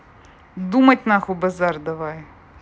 думать нахуй базар давай